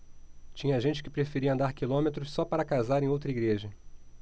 tinha gente que preferia andar quilômetros só para casar em outra igreja